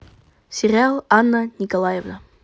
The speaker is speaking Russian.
сериал анна николаевна